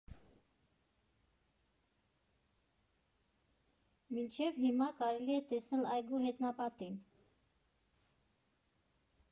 Մինչև հիմա կարելի է տեսնել այգու հետնապատին։